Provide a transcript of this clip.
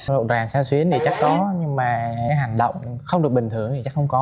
rộn ràng xao xuyến thì chắc có nhưng mà hành động không được bình thường thì chắc không có